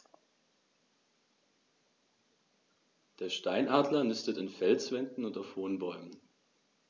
Der Steinadler nistet in Felswänden und auf hohen Bäumen.